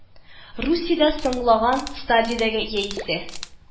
Русиядә соңлаган стадиядәге яисә